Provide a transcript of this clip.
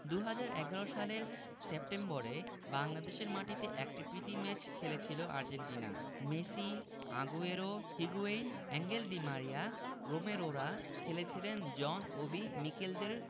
২০১১ সালের সেপ্টেম্বরে বাংলাদেশের মাটিতে একটি প্রীতি ম্যাচ খেলেছিল Argentina Messi Aguero Higuain Angel Di Maria রোমেরোরা খেলেছিলেন জন ওবি মিকেলদের